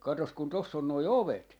katsos kun tuossa on nuo ovet